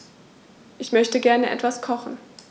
Ich möchte gerne etwas kochen.